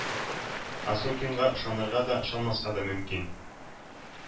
Осокинга ышанырга да, ышанмаска да мөмкин.